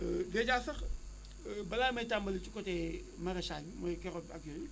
dèjà sax balaa may tàmbali ci côté maraîchage bi mooy carotte ak yooyu